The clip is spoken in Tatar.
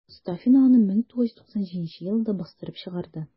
Мостафина аны 1997 елда бастырып чыгарды.